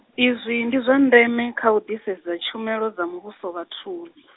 izwi ndi zwa ndeme kha u ḓisedza tshumelo dza muvhuso vhathuni.